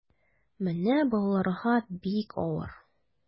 Менә балаларга бик авыр.